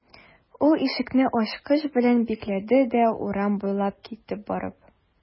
Ул ишекне ачкыч белән бикләде дә урам буйлап китеп барды.